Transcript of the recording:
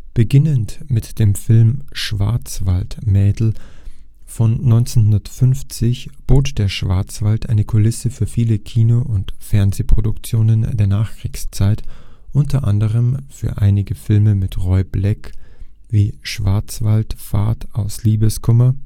Beginnend mit dem Film Schwarzwaldmädel von 1950 bot der Schwarzwald eine Kulisse für viele Kino - und Fernsehproduktionen der Nachkriegszeit, unter anderem für einige Filme mit Roy Black wie Schwarzwaldfahrt aus Liebeskummer